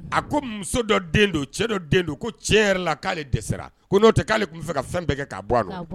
A ko muso dɔ don cɛ dɔ den don ko cɛ yɛrɛ la k'ale dɛsɛra ko n'o tɛ k'ale tun bɛ fɛ ka fɛn bɛɛ kɛ k'a bɔ a don